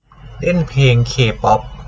เล่นเพลงเคป๊อป